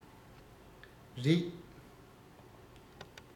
རེད